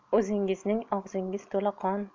o'zingizning og'zingiz to'la qon